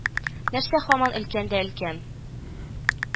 Нәрсә һаман өлкән дә өлкән